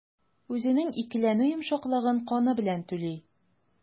Үзенең икеләнү йомшаклыгын каны белән түли.